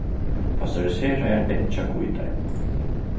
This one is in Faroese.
pasteuriseraðar eggjahvítar